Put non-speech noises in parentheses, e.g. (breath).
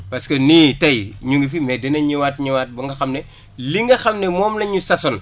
parce que nii tey ñu ngi fi mais dinañ ñëwaat ñëwaat ba nga xam ne (breath) li nga xam ne moom lañ ñu sasoon